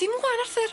Dim ŵan Arthur.